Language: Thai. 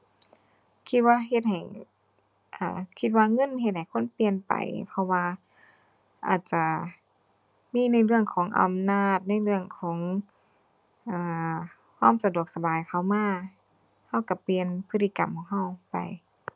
คิดว่าเฮ็ดให้ เอ่อ คิดว่าเงินเฮ็ดให้คนเปลี่ยนไป เพราะว่าอาจจะมีในเรื่องของอำนาจ ในเรื่องของความสะดวกสบายเข้ามา เราเราเปลี่ยนพฤติกรรมของเราไป